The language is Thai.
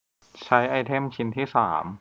ใช้ไอเทมชิ้นที่สาม